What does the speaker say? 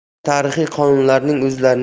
barcha tarixiy qonunlarning